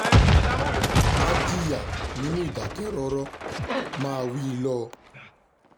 Má jìyà nínú Ìdáké̩ró̩ró̩ — máa wí lọ